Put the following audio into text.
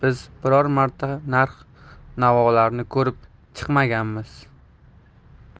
marta narx navolarni ko'rib chiqmaganmiz